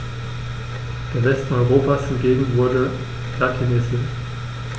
Der Westen Europas hingegen wurde latinisiert.